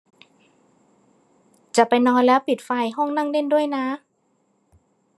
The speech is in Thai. จะไปนอนแล้วปิดไฟห้องนั่งเล่นด้วยนะ